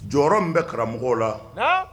Jɔyɔrɔ min bɛ karamɔgɔ la